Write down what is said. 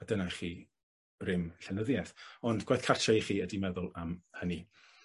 A dyna chi rym llenyddieth. Ond gwaith cartre i chi ydi meddwl am hynny.